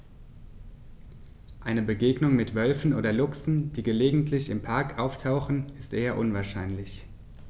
Eine Begegnung mit Wölfen oder Luchsen, die gelegentlich im Park auftauchen, ist eher unwahrscheinlich.